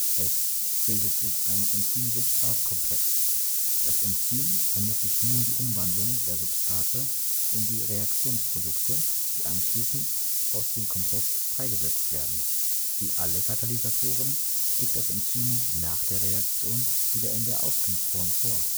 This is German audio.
es bildet sich ein Enzym-Substrat-Komplex. Das Enzym ermöglicht nun die Umwandlung der Substrate in die Reaktionsprodukte, die anschließend aus dem Komplex freigesetzt werden. Wie alle Katalysatoren liegt das Enzym nach der Reaktion wieder in der Ausgangsform vor